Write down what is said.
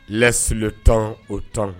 S tɔn o tɔn